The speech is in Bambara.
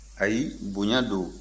ayi bonya don